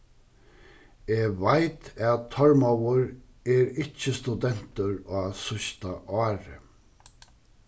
eg veit at tormóður er ikki studentur á síðsta ári